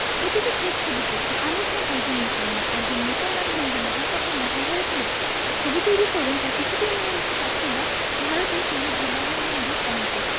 এদিকে ঘটছে বিপত্তি আমির খান একজন মুসলমান একজন মুসলমান হিন্দু মহাকাব্য মহাভারত নিয়ে ছবি তৈরি করবেন তা কিছুতেই মেনে নিতে পারছেন না ভারতের হিন্দুধর্মাবলম্বী অনেকে